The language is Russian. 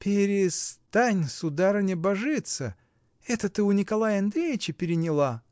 — Перестань, сударыня, божиться: это ты у Николая Андреича переняла!.